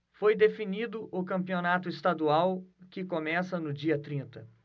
foi definido o campeonato estadual que começa no dia trinta